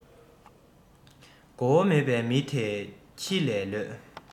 གོ བ མེད པའི མི དེ ཁྱི ལས ལོད